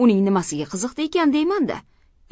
uning nimasiga qiziq di ekan deyman da